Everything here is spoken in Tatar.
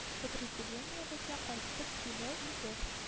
Подразделениебезгә кайтып килә идек